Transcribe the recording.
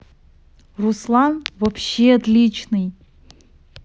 ruslan вообще отличный